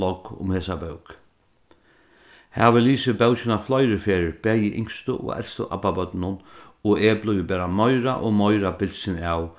blogg um hesa bók havi lisið bókina fleiri ferðir bæði yngstu og elstu abbabørnunum og eg blívi bara meira og meira bilsin av